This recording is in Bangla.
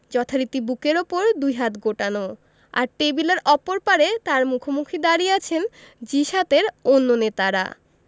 যথারীতি বুকের ওপর দুই হাত গোটানো আর টেবিলের অপর পারে তাঁর মুখোমুখি দাঁড়িয়ে আছেন জি ৭ এর অন্য নেতারা